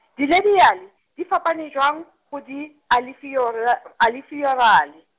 dilebiyale, di fapane jwang, ho dialefiyora-, -alefiyorale?